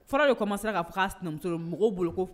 Fara dɔ kama siran k' sinamuso mɔgɔw bolo